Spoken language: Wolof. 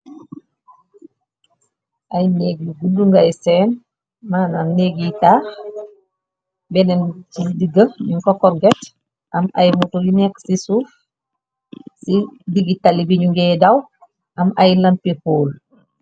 Ay néeg yu guddu ngay seen manam neggi taax, benneen ci digga ñu ko korget. Am ay muto yu nekk ci suuf ci diggi tali biñu ngee daw, am ay lampi pool.